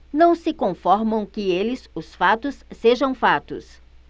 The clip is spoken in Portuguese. não se conformam que eles os fatos sejam fatos